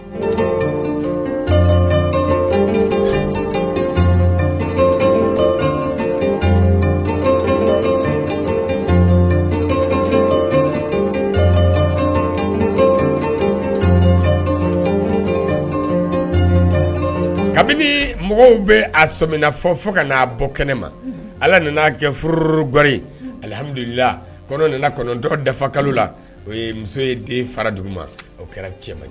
Kabini mɔgɔw bɛ a sɔmina fɔ fo ka n aa bɔ kɛnɛ ma ala nana n'a kɛoroɔgɔri alihadulila kɔnɔ dɔ dafa kalo la o ye muso ye den fara dugu ma o kɛra cɛ